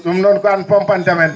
?um noon ko an pompanta men